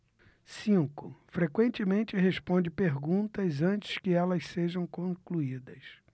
cinco frequentemente responde perguntas antes que elas sejam concluídas